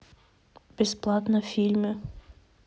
бесплатно фильмы